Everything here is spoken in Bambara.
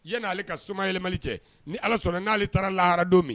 Yan n' aleale ka soma yɛlɛma cɛ ni ala sɔnna n'ale taara lahara don min